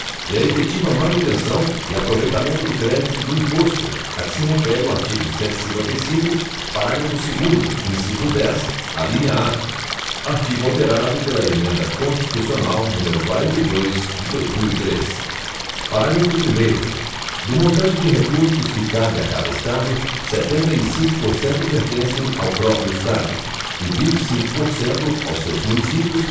e a efetiva manutenção e aproveitamento do crédito do imposto a que se refere o artigo cento e cinquenta e cinco parágrafo segundo inciso dez alínea a artigo alterado pela emenda constitucional número quarenta e dois de dois mil e três parágrafo primeiro do montante de recursos que cabe a cada estado setenta e cinco por cento pertencem ao próprio estado e vinte e cinco por cento aos seus municípios